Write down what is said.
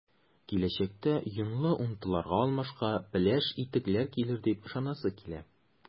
Киләчәктә “йонлы” унтыларга алмашка “пеләш” итекләр килер дип ышанасы килә.